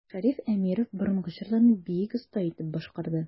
Шәриф Әмиров борынгы җырларны бик оста итеп башкарды.